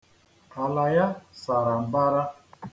Ala ya sara mbara